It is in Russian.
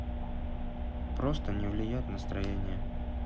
просто не влиять настроение